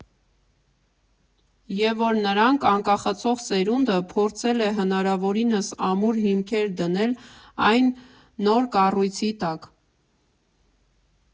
Եվ որ նրանք՝ անկախացող սերունդը, փորձել է հնարավորինս ամուր հիմքեր դնել այս նոր կառույցի տակ։